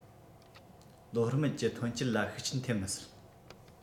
ལོ སྨད ཀྱི ཐོན སྐྱེད ལ ཤུགས རྐྱེན ཐེབས མི སྲིད